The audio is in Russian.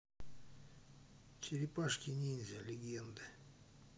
черепашки ниндзя легенды